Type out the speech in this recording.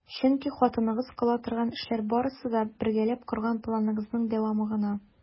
Чөнки хатыныгыз кыла торган эшләр барысы да - бергәләп корган планыгызның дәвамы гына!